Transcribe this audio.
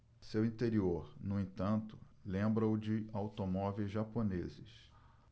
seu interior no entanto lembra o de automóveis japoneses